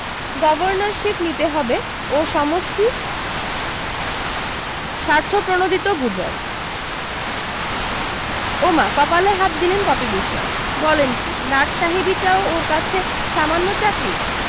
governorship নিতে হবে ও সমস্তি স্বার্থপ্রণোদিত গুজব ওমা কপালে হাত দিলেন পপি বিশোয়াস বলেন কী লাটসাহেবীটাও ওর কাছে সামান্য চাকরী